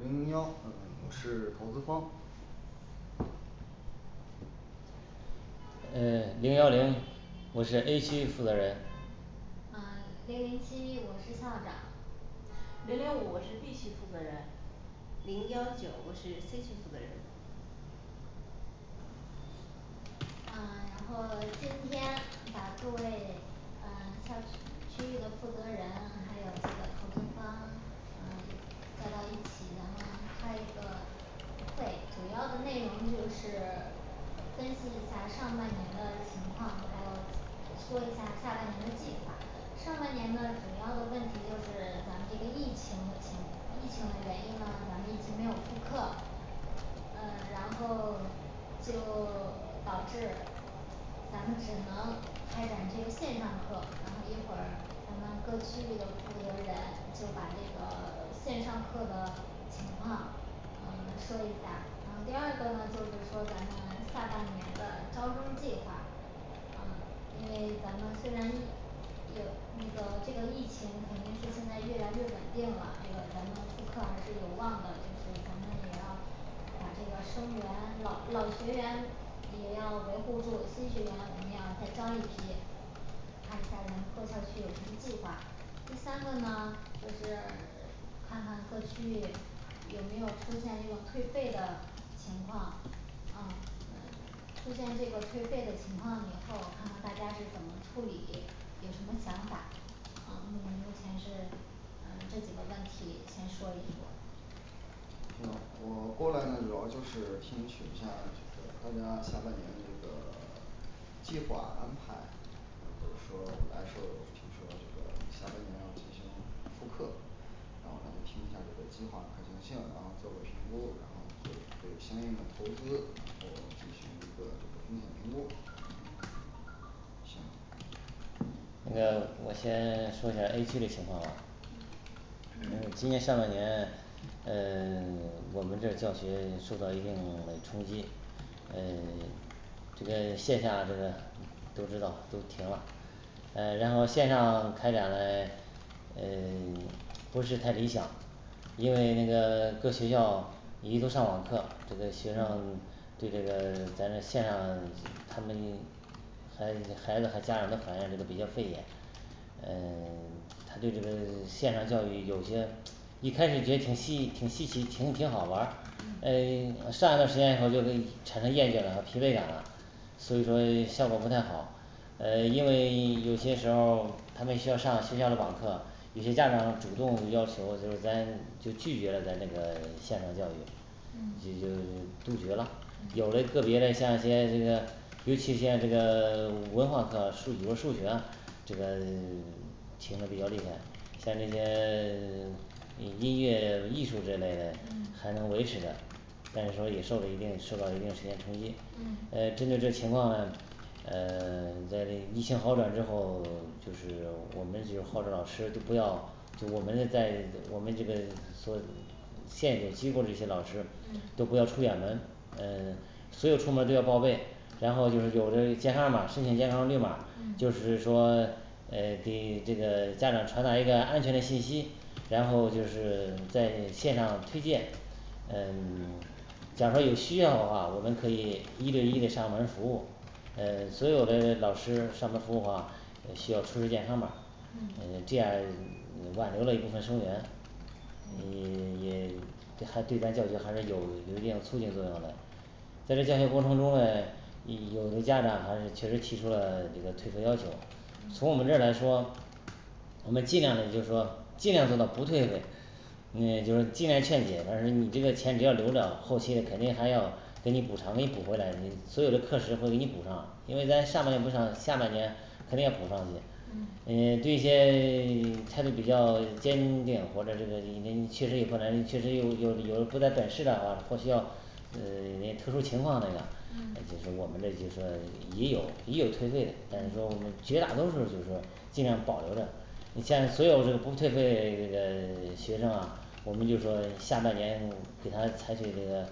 零零幺嗯我是投资方嗯 零幺零我是A区负责人嗯零零七我是校长零零五我是B区负责人零幺九我是C区负责人嗯然后 今天把各位嗯校区区域的负责人，还有这个投资方呃一叫到一起，咱们开一个会，主要的内容就是 分析一下上半年的情况，还有说一下下半年的计划，上半年呢主要的问题就是咱们这个疫情的情疫情的原因呢，咱们一直没有复课呃然后 就 导致咱们只能开展这个线上课，然后一会儿咱们各区域的负责人就把这个 线上课的情况嗯 说一下然后第二个呢就是说咱们下半年的招生计划嗯因为咱们虽然一有那个这个疫情肯定是现在越来越稳定了，这个咱们复课还是有望的，就是咱们也要把这个生源老老学员也要维护住，新学员我们要再招一批，看一下咱们各校区有什么计划。第三个呢就是 看看各区域有没有出现这种退费的情况嗯嗯出现这个退费的情况以后，看看大家是怎么处理，有什么想法。呃目目前是呃这几个问题先说一说。行，我过来呢主要就是听取一下这个大家下半年这个 计划安排啊或者说我来时候儿听说这个下半年要进行复课然后来听一下儿这个计划可行性，然后做个评估，然后对这个相应的投资然后进行一个这个风险评估那我先说一下儿A区嘞情况吧。嗯今年上半年嗯 我们这儿教学受到一定 嘞冲击嗯 这个线下这个都知道都停了，呃然后线上开展嘞嗯 不是太理想因为那个各学校一都上网课，这个学嗯生对这个咱这线上 他们 孩孩子和家长都反应这个比较费眼，嗯 他对这个线上教育有些一开始觉得挺稀挺稀奇挺挺好玩儿，嗯嗯上一段儿时间以后就会产生厌倦感和疲惫感了，所以说效果不太好呃因为有些时候儿他们需要上学校嘞网课，有些家长主动就要求就是咱就拒绝了咱这个线上教育嗯就就杜绝了有嘞嗯个别嘞像一些这个尤其像这个 文化课、数语文儿、数学啊，这个 停的比较厉害像那些 音乐艺术这一类嘞嗯还能维持着，但是说也受了一定受到一定时间冲击。嗯呃针对这情况嘞呃 在这个疫情好转之后， 就是我们就号召老师都不要就我们这在我们这个所现有机构这些老师都嗯不要出远门，呃所有出门儿都要报备，然后就是有这健康码儿申请健康绿码儿，嗯就是说呃给这个家长传达一个安全的信息，然后就是在线上推荐呃嗯 假如说有需要的话，我们可以一对一嘞上门儿服务，呃所有嘞老师上门儿服务话呃需要出示健康码儿嗯，呃这样挽留了一部分生源，对也也还对咱教学还是有有一定促进作用嘞在这教学过程中呢，一有的家长啊确实提出了这个退费要求，嗯从我们这儿来说我们尽量呢就说尽量做到不退费，嗯就是尽量劝解，反正就是你这个钱只要留着后期肯定还要给你补偿给你补回来，你所有的课时会给你补上因为咱上半年不上，下半年肯定要补上去。嗯呃对一些 态度比较坚定，或者这个你确实有困难，确实有有有的不在本市的话或需要嗯那特殊情况那个嗯。就是我们这就是说也有也有退费的，但是说我们绝大多数儿就是说尽量保留着你像所有这不退费这个 学生啊，我们就说下半年给他采取这个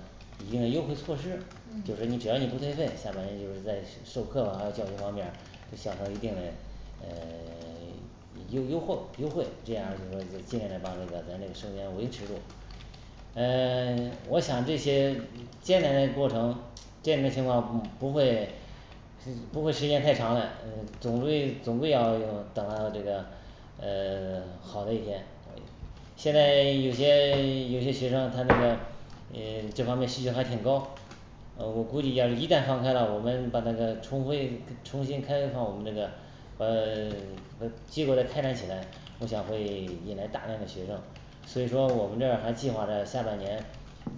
一定的优惠措施，嗯就是你只要你不退费，下半年就是在授课还有教学方面儿，就享受一定嘞嗯 优优活优惠，这样就是说尽量的把这个咱这个生源维持住。嗯 我想这些艰难的过程，这样的情况不会嗯不会时间太长了，嗯总归总归要等到这个呃 好的一天现在有些有些学生他那个嗯这方面儿需求还挺高呃我估计要是一旦放开了，我们把那个重会重新开放我们这个，把 把机构再开展起来，我想会引来大量的学生所以说我们这儿还计划着下半年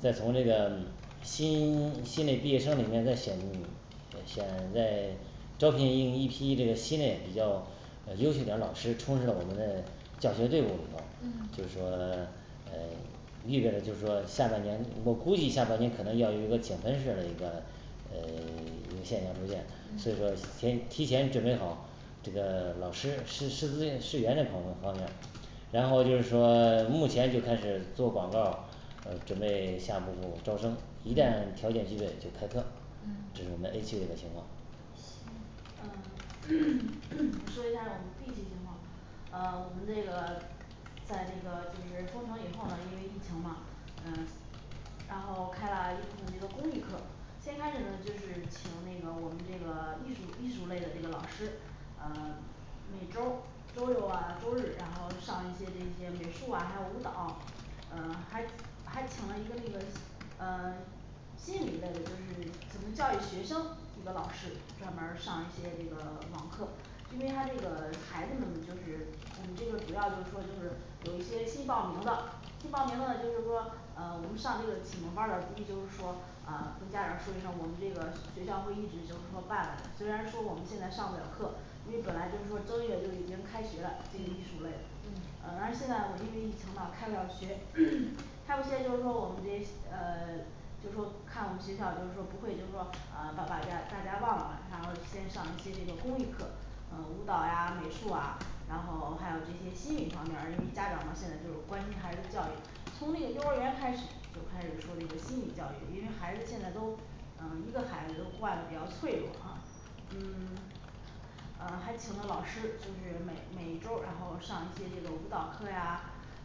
再从这个新新嘞毕业生里面再选想再招聘一一批这个新嘞比较呃优秀点儿老师，充实到我们嘞教学队伍里头嗯，就是说 嗯 预备了就是说下半年我估计下半年可能要有一个井喷似儿嘞一个 呃一个现象出现，所以嗯说先提前准备好这个 老师师师资师源这块方面，然后就说目前就开始做广告儿呃准备下一步儿招生，一嗯旦条件具备就开课，嗯这是我们A区的一个情况。呃， 我说一下儿我们B区情况。呃我们这个 在那个就是封城以后呢因为疫情嘛嗯然后开了一部分那个公益课，先开始呢就是请那个我们这个艺术艺术类的这个老师呃 每周儿周六啊周日，然后上一些这些美术啊，还有舞蹈，嗯还还请了一个那个嗯 心理类的就是怎么教育学生一个老师专门儿上一些这个网课因为他这个 孩子们呢就是我们这个主要就是说就是有一些新报名的新报名的就是说呃我们上这个启蒙班儿的第一就是说嗯跟家长说一声儿，我们这个学校会一直就是说办的，虽然说我们现在上不了课因为本来就是说正月就已经开学了，这个艺术类的嗯，呃但是现在我因为疫情嘛开不了学 他们现在就是说我们这呃 就说看我们学校就是说不会就是说啊把大家大家忘了嘞，然后先上一些这个公益课嗯舞蹈呀美术啊，然后还有这些心理方面儿，因为家长们现在就关心孩子教育从那个幼儿园就开始说这个心理教育，因为孩子现在都嗯一个孩子都惯得比较脆弱啊嗯 嗯还请了老师就是每每周儿然后上一些这个舞蹈课呀，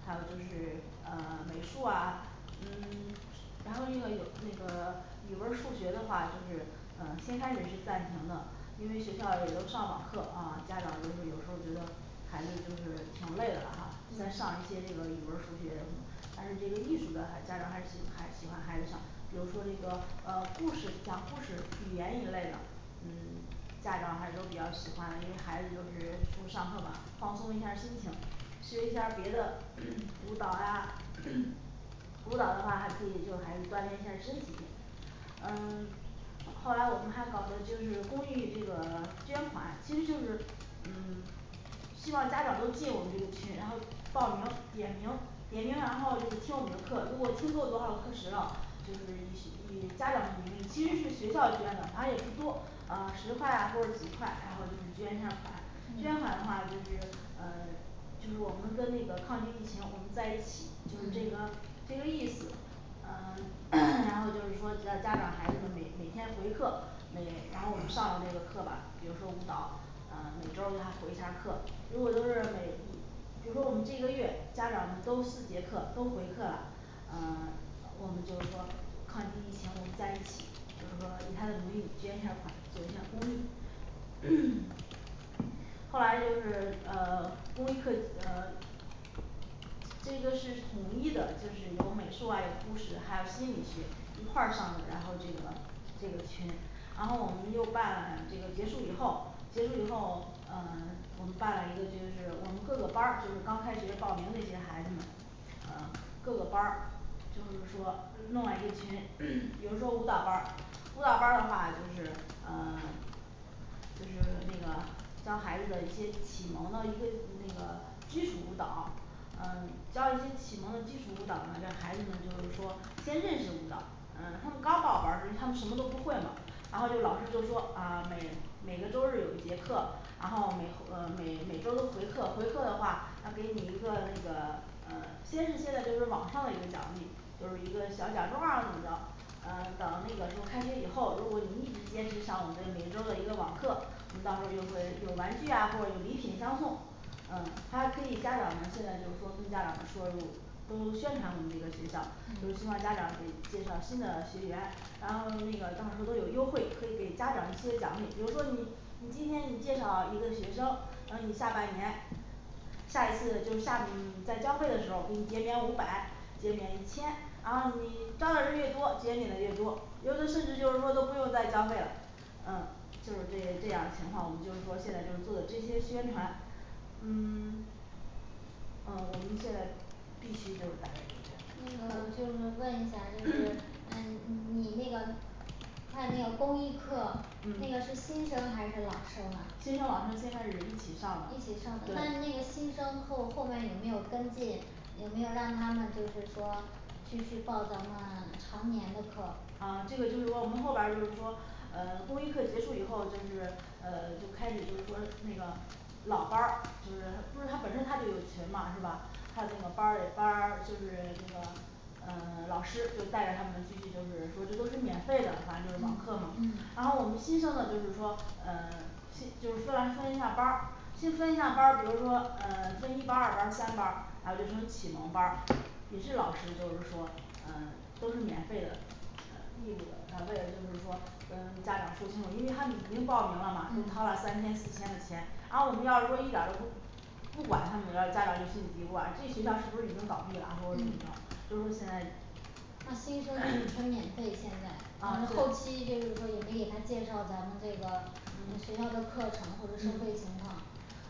还有就是 呃美术啊嗯 然后那个有那个 语文儿数学的话就是呃先开始是暂停的因为学校也都上网课啊，家长就是有时候儿觉得孩子就是挺累的了哈，再嗯上一些这个语文儿数学什么但是这个艺术的还家长还是喜还是喜欢孩子上，比如说这个呃故事讲故事语言一类的嗯 家长还是都比较喜欢的，因为孩子就是 除上课吧放松一下儿心情学一下儿别的 舞蹈啊 舞蹈的话还可以就孩子锻炼一下儿身体嗯 后后来我们还搞的就是公益这个捐款，其实就是嗯 希望家长都进我们这个群，然后报名点名儿点名然后就是听我们的课，如果听够多少课时了，就是以以家长的名义其实是学校捐的，反正也不多，嗯十块啊或者几块，然后就是捐一下儿款捐嗯款的话就是嗯就是我们跟那个抗击疫情我们在一起就是这嗯个这个意思呃 然后就是说让家长孩子们每每天回课，每然后我们上了这个课吧，比如说舞蹈嗯每周儿给他回一下儿课，如果都是每一比如说我们这个月家长们都四节课都回课了嗯 我们就是说抗击疫情我们在一起就是说以他的名义捐一下儿款，做一下儿公益 后来就是呃 公益课呃 这个是统一的，就是有美术啊有故事，还有心理学一块儿上的，然后这个这个群，然后我们又办这个结束以后结束以后嗯 我们办了一个就是我们各个班儿就是刚开学报名那些孩子们呃各个班儿就是说弄了一个群， 比如说舞蹈班儿，舞蹈班儿的话就是嗯 就是那个教孩子的一些启蒙的一个那个基础舞蹈嗯教一些启蒙的基础舞蹈呢，让孩子们就是说先认识舞蹈，嗯他们刚报班儿时他们什么都不会嘛然后就是老师就是说啊每每个周日有一节课，然后每呃每每周儿都回课回课的话那给你一个那个呃先是现在就是网上的一个奖励，就是一个小奖状儿啊怎么着嗯等那个时候儿开学以后，如果你一直坚持上我们的每周儿的一个网课，我们到时候儿就会有玩具呀或者有礼品相送嗯还可以家长们现在就是说跟家长们说如都宣传我们这个学校，就是嗯希望家长给介绍新的学员然后那个到时候儿都有优惠，可以给家长一些奖励，比如说你你今天你介绍一个学生，啊你下半年下一次就下 在交费的时候儿给你减免五百，减免一千，然后你招的人越多，减免的越多，有的甚至就是说都不用再交费了嗯就是这这样儿情况我们就是说现在就做的这些宣传嗯 呃我们现在B区就是大概就是这样那个我就是问一下儿就是呃你你那个他的那个公益课那嗯个是新生还是老生啊？新生老生现在是一起上一的起上的那你那对个新生后后面有没有跟进有没有让他们就是说继续报咱们常年的课，嗯这个就是说我们后边儿就是说呃公益课结束以后就是呃就开始就是说那个老班儿就是不是他本身他就有群嘛是吧？他那个班儿与班儿就是那个嗯老师就带着他们继续，就是说这都是免费的反正就是嗯网课嘛嗯，然后我们新生呢就是说嗯先就是先来分一下班儿，先分一下班儿，比如说呃分一班儿二班儿三班儿，啊就成启蒙班儿，也是老师就是说嗯都是免费的呃义务的，呃为了就是说跟家长说清楚，因为他们已经报名了嘛，都掏嗯了三千四千的钱，然后我们要是说一点儿都不不管他们来喽家长就心里嘀咕啊这学校是不是已经倒闭了或者怎么着嗯，就是说现在那新生就是纯免费现在要嗯是后后期就是说也没给他介绍咱们这个嗯学校的课程或者收费嗯情况。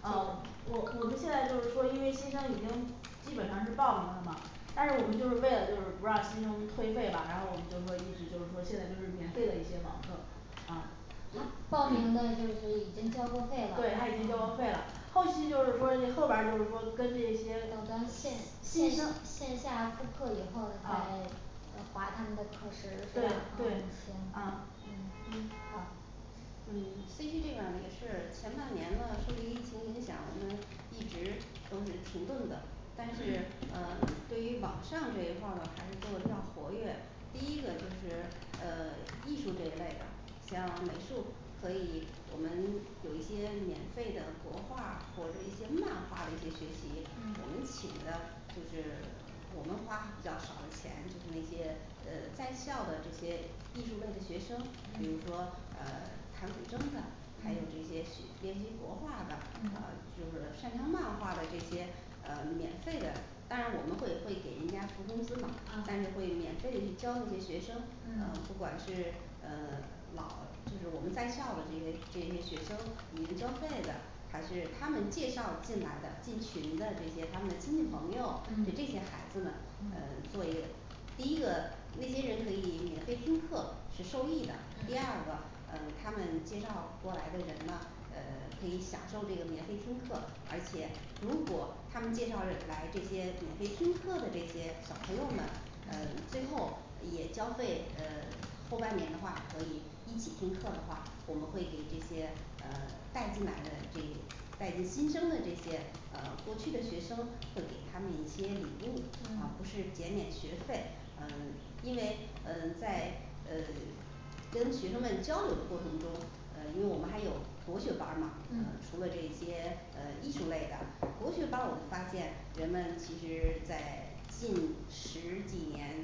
嗯我我们现在就是说因为新生已经基本上是报名了嘛，但是我们就是为了就是不让新生退费吧，然后我们就说一直就是说现在就是免费的一些网课啊他报名的 就是已经交过费了，对他已经交过费了，后期就是说后边儿就是说跟这些等，咱呃新线线新生线下复课以后再啊呃划他们的课时是吧对？嗯对行嗯嗯嗯好嗯C区这边儿呢也是前半年呢受这个疫情影响，我们一直都是停顿的但是呃对于网上这一块儿呢还是做的比较活跃。第一个就是呃艺术这一类的像美术可以我们有一些免费的国画儿或者一些漫画儿的一些学习，我们嗯请的就是我们花比较少的钱，就是那些呃在校的这些艺术类的学生，比如嗯说呃弹古筝的还有这嗯些学练习国画的，呃嗯就是擅长漫画的这些呃免费的当然我们会会给人家付工资嘛，但嗯是会免费的去教那些学生，呃嗯不管是呃 老就是我们在校的这些这些学生已经交费的，还是他们介绍进来的进群的这些他们的亲戚朋友，就这嗯些孩子们嗯嗯做一个第一个那些人可以免费听课是受益的。 第嗯二个呃他们介绍过来的人呢呃可以享受这个免费听课，而且如果他们介绍了 来的这些免费听课的这些小朋友们呃嗯最后也交费呃后半年的话可以一起听课的话，我们会给这些呃带进来的这带进新生的这些呃过去的学生会给他们一些礼物啊不是嗯减免学费呃因为嗯在呃跟学生们交流的过程中，呃因为我们还有国学班儿嘛，嗯除了这些呃艺术类的，国学班儿我们发现人们其实在近十几年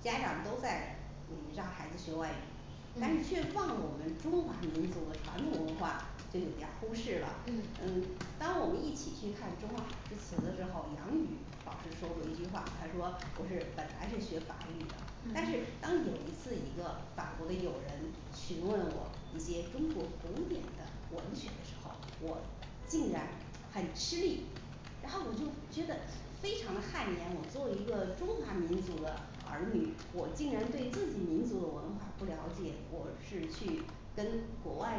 家长都在嗯让孩子学外语但是嗯却忘了我们中华民族的传统文化，就有点儿忽视了。嗯嗯当我们一起去看中华好诗词的时候杨雨老师说过一句话，她说我是本来是学法语的，但是嗯当有一次一个法国的友人询问我一些中国古典的文学的时候我竟然很吃力，然后我就觉得非常的汗颜。我作为一个中华民族的儿女，我竟然对自己民族的文化不了解，我是去跟国外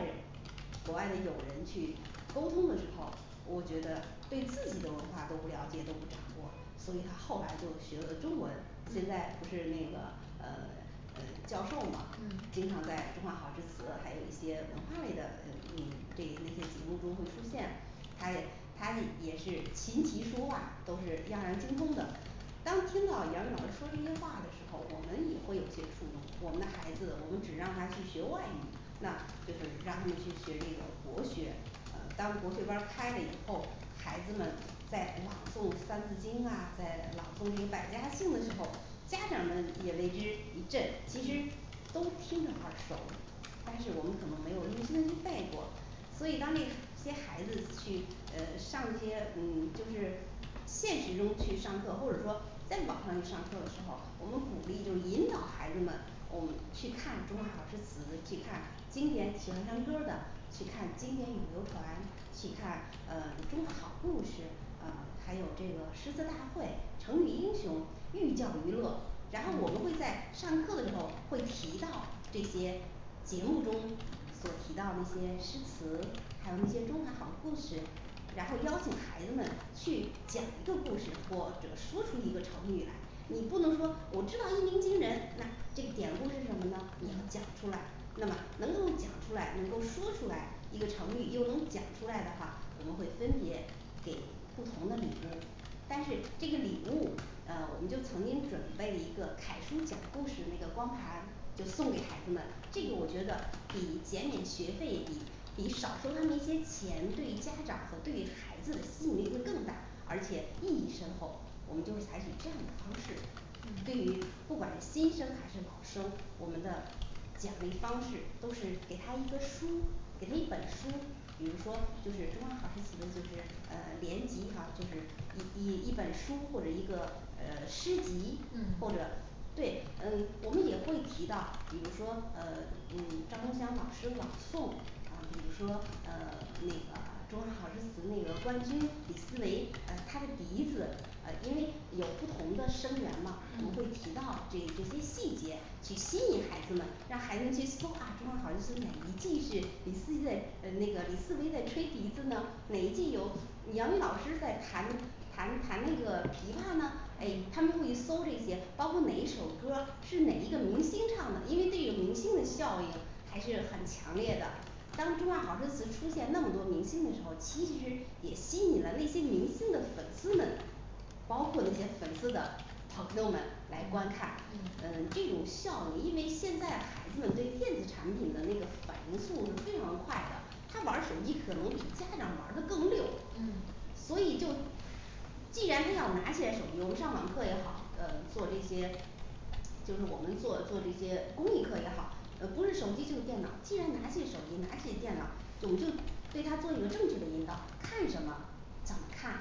国外的友人去沟通的时候我觉得对自己的文化都不了解都不掌握，所以他后来就学了中文，现嗯在不是那个呃 嗯教授嘛嗯经常在中华好诗词，还有一些文化类的呃嗯这那些节目中会出现，他也他是也是琴棋书画都是样样儿精通的当听到杨雨老师说这些话的时候，我们也会有些触动我们的孩子，我们只让他去学外语，那就是让他们去学这个国学当国学班儿开了以后，孩子们在朗诵三字经啊，在朗诵这百家姓的时候，家长们也为之一振，其实嗯都听着耳熟但是我们可能没有一字一字背过，所以当这这些孩子呃去上一些嗯 就是现实中去上课，或者说在网上去上课的时候，我们鼓励就引导孩子们，我们去看中华好诗词，去看经典，喜欢唱歌儿的去看经典与流传，去看呃中华好故事，嗯还有这个诗歌大会成语英雄寓教于乐，然后我们会嗯在上课的时候会提到这些节目中所提到的一些诗词，还有那些中华好故事然后邀请孩子们去讲一个故事，或者说出一个成语来，你不能说我知道一鸣惊人那这个典故是什么呢，你要讲嗯出来，那么能够讲出来能够说出来一个成语又能讲出来的话，我们会分别给不同的礼物但是这个礼物啊我们就曾经准备一个凯叔讲故事那个光盘就送给孩子们，这个我嗯觉得比减免学费比比少收他们一些钱对于家长和对于孩子的吸引力会更大，而且意义深厚，我们就是采取这样的方式。嗯对于不管是新生还是老生，我们的奖励方式都是给他一个书，给他一本书比如说就是中华好诗词的就是呃连集哈，就是一一一本书或者一个呃诗集，或嗯者对嗯我们也会提到，比如说呃嗯赵忠祥老师朗诵，啊比如说呃 那个中华好诗词那个冠军李思维，呃他的鼻子呃因为有不同的生源嘛，我们会嗯提到这这些细节去吸引孩子们，让孩子们去中华啊中华好诗词哪一句是李思悦，那个李斯威在吹笛子呢，哪一句有杨雨老师在弹弹弹那个琵琶呢，嗯他们自己搜这些包括哪一首歌儿是哪一个明星唱的，因为对于明星的效应还是很强烈的当中华好诗词出现那么多明星的时候，其实也吸引了那些明星的粉丝们包括那些粉丝的朋友们来观嗯看嗯嗯这种效应，因为现在孩子们对电子产品的那个反应速度是非常快的他玩儿手机可能比家长玩儿的更溜嗯所以就既然他要拿起来手机，我们上网课也好，呃做这些就是我们做做这些公益课也好，不是手机就是电脑儿，既然拿起手机拿起电脑儿，我们就对它做一个正确的引导，看什么怎么看，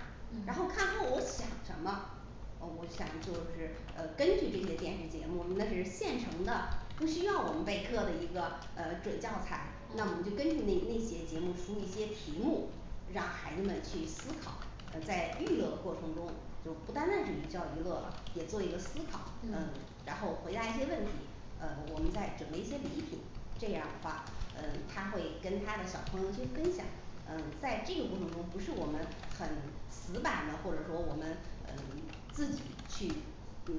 然嗯后看后我想什么，哦我想就是呃根据这些电视节目那是现成的，不需要我们备课的一个呃准教材那我们就嗯根据那那些节目出一些题目，让孩子们去思考，呃在娱乐过程中就不单单是寓教于乐了，也做一个思考，呃嗯然后回答一些问题，呃我们再准备一些礼品，这样儿的话呃他会跟他的小朋友去分享。呃在这个过程中不是我们很死板的或者说我们呃自己去比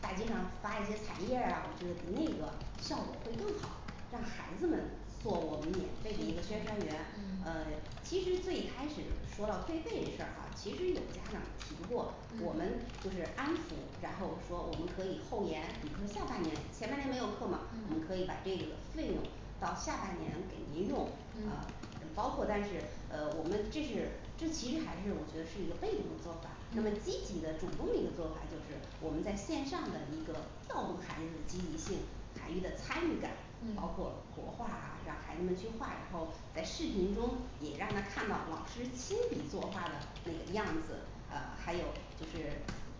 大街上发一些彩页儿啊，我觉得比那个效果会更好让孩子们做我们免费的一个宣传员。 嗯呃其实最开始说到退费这事儿哈其实有家长提过，嗯我们就是安抚，然后说我们可以后延，比如说下半年前半年没有课嘛，我们嗯可以把这个的费用到下半年给您用，嗯嗯包括但是呃我们这是这其实还是我觉得是一个被动的做法，那么嗯积极的主动的一个做法就是我们在线上的一个调动孩子的积极性，孩子的参与感，包嗯括国画啊让孩子们去画然后，在视频中也让他看到老师亲笔作画的那个样子呃还有就是